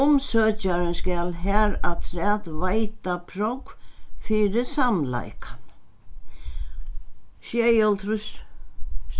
umsøkjarin skal harafturat veita prógv fyri samleikan sjeyoghálvtrýss